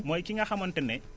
mooy ki nga xamante ne